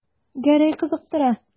Гәрәй кызыктыра.